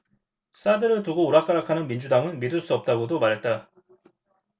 사드를 두고 오락가락하는 민주당은 믿을 수 없다고도 말했다